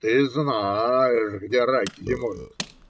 Ты знаешь, где раки зимуют.